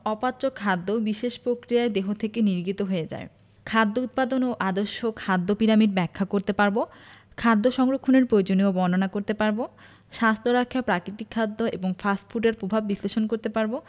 অপাচ্য খাদ্য বিশেষ পক্রিয়ায় দেহ থেকে নির্গিত হয়ে যায় খাদ্য উতপাদান ও আদর্শ খাদ্য পিরামিড ব্যাখ্যা করতে পারব খাদ্য সংরক্ষণের পয়োজনীয়তা বর্ণনা করতে পারব স্বাস্থ্য রক্ষায় পাকৃতিক খাদ্য এবং ফাস্ট ফুডের পভাব বিশ্লেষণ করতে পারব